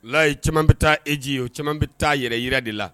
Layi caman bɛ taa eji ye o caman bɛ taa yɛrɛyra de la